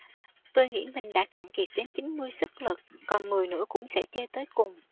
tôi nghĩ mình đã cạn kiệt đến chín mươi sức lực còn mười nữa cũng sẽ chơi tới cùng